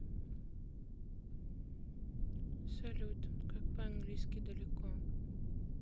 салют как по английски далеко